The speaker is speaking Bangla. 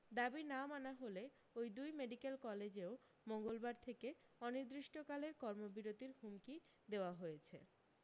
দাবি না মানা হলে ওই দুই মেডিকেল কলেজেও মঙ্গলবার থেকে অনির্দিষ্টকালের কর্মবিরতির হুমকি দেওয়া হয়েছে